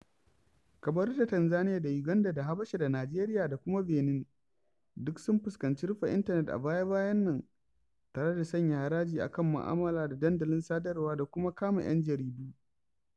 Kamaru da Tanzaniya da Uganda da Habasha da Najeriya da kuma Benin duk sun fuskanci rufe intanet a baya-bayan nan, tare da sanya haraji a kan mu'amala da dandalin sadarwa da kuma kama 'yan jaridu.